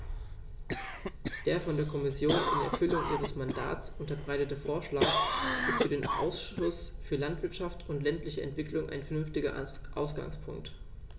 Der von der Kommission in Erfüllung ihres Mandats unterbreitete Vorschlag ist für den Ausschuss für Landwirtschaft und ländliche Entwicklung ein vernünftiger Ausgangspunkt.